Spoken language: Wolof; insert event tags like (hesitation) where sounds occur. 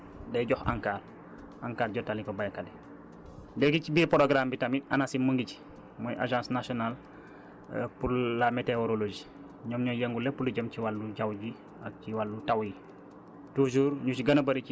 buy bu gëstoo ba gis day jox ANCAR ANCAR jottali ko baykat bi léegi ci biir programme bi tamit Anacim mu ngi ci mooy agance national (hesitation) pour la météorologie ñoom ñooy yëngu lépp lu jëm ci wàllu jàww ji ak ci wàllu taw yi